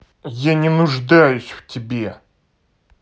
я не нуждаюсь в тебе